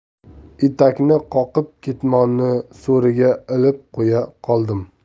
etakni qoqib ketmonni so'riga ilib qo'ya qoldim